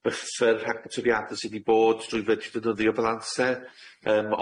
byffyr rhag y toriade sy 'di bod drwy fedru defnyddio fel amser